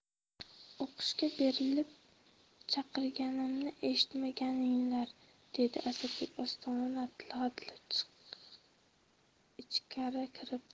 o'qishga berilib chaqirganimni eshitmadinglar dedi asadbek ostona hatlab ichkari kirib